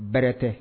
Bɛrɛtɛ